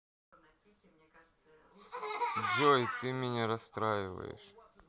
джой ты меня расстраиваешь